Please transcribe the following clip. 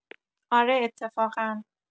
آره اتفاقا